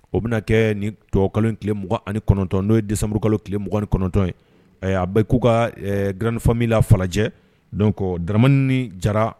O bɛna kɛ ni tɔkale 2 nitɔn n'o ye dimuru kalo tilele 2 ni kɔnɔntɔn ye a bɛ k'u ka grinfami la falajɛ don dmani jara